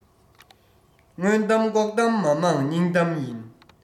མངོན གཏམ ལྐོག གཏམ མ མང སྙིང གཏམ ཡིན